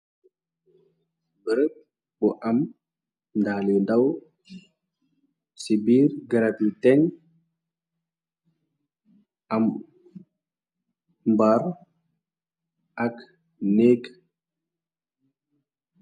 Bereb bu am ndaalu ndaw , ci biir garab yi teng, am mbar ak nékk.